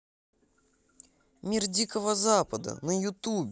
мир дикого запада на ютубе